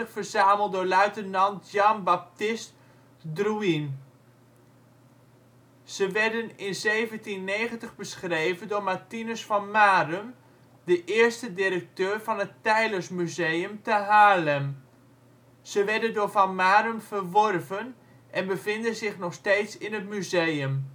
verzameld door luitenant Jean Baptiste Drouin. Ze werden in 1790 beschreven door Martinus van Marum, de eerste directeur van het Teylers Museum te Haarlem. Ze werden door Van Marum verworven en bevinden zich nog steeds in het museum